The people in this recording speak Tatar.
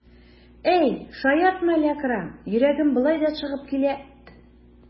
Әй, шаяртма әле, Әкрәм, йөрәгем болай да чыгып килә.